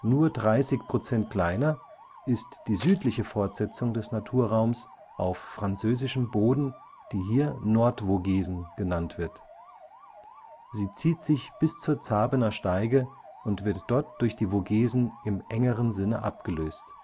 Nur 30 Prozent kleiner ist die südliche Fortsetzung des Naturraums auf französischem Boden, die hier Nordvogesen (frz. Vosges du Nord) genannt wird. Sie zieht sich bis zur Zaberner Steige und wird dort durch die Vogesen im engeren Sinne abgelöst